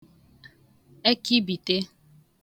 ẹkaibìte